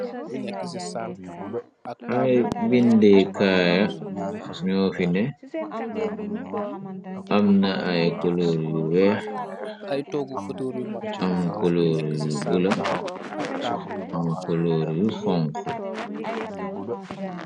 Ay bindekaaya ñoo fi ne amna ay koloor yu weex am koloor yu bula am koloor yu xonxo.